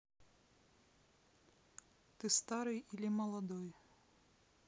ты старый или молодой